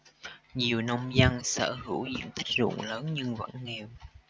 nhiều nông dân sở hữu diện tích ruộng lớn nhưng vẫn nghèo